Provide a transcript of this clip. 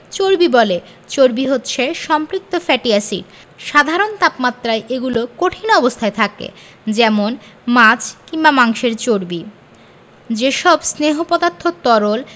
চর্বি বলে চর্বি হচ্ছে সম্পৃক্ত ফ্যাটি এসিড সাধারণ তাপমাত্রায় এগুলো কঠিন অবস্থায় থাকে যেমন মাছ কিংবা মাংসের চর্বি যেসব স্নেহ পদার্থ তরল